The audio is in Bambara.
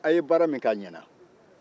a ko a ye baara min kɛ a ɲɛna